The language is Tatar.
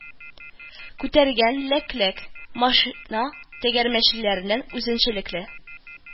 Күтәргән ләкләк, машина тәгәрмәчләреннән үзенчәлекле